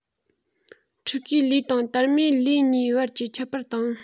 ཕྲུ གུའི ལུས དང དར མའི ལུས གཉིས བར གྱི ཁྱད པར དང